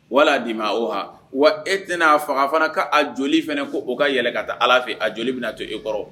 Wala d'i ma o wa e tɛna n'a fanga fana'a joli fana ko' ka yɛlɛ ka taa ala fɛ a joli bɛna na to e kɔrɔ